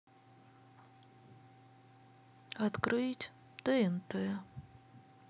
открыть тнт